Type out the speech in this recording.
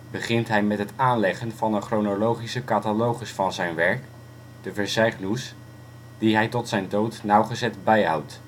begint hij met het aanleggen van een chronologische catalogus van zijn werk, de Verzeichnüss, die hij tot zijn dood nauwgezet bijhoudt